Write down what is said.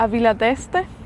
a Villa d'Este.